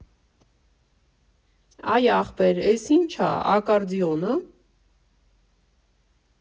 Այ ախպեր, էս ի՞նչ ա, ակարդեոն ա՞